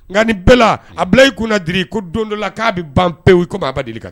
Nka ni bɛɛ la a bila'i kun na di i ko don dɔ la k'a bɛ ban bɛɛ ye komi a ba deli ka kan